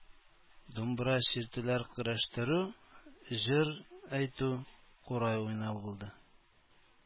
Думбра чиртүләр, көрәштерү, җыр әйтү, курай уйнау булды.